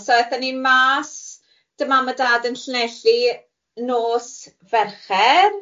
So aethon ni mas dy mam a dad yn Llanelli nos Fercher.